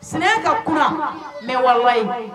Sɛnɛ ka kuma mɛ wawa